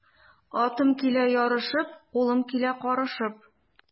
Атым килә ярашып, кулым килә карышып.